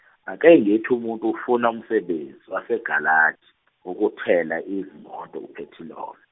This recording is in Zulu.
akengithi umuntu ufuna umsebenzi wasegalaji wokuthela izimoto uphethilolo.